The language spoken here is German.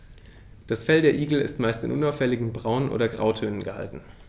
Das Fell der Igel ist meist in unauffälligen Braun- oder Grautönen gehalten.